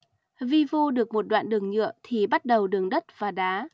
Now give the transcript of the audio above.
vi vu được một đoạn đường nhựa thì bắt đầu đường đất và đá